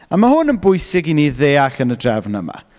A ma' hwn yn bwysig i ni ddeall yn y drefn yma.